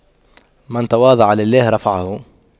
من تواضع لله رفعه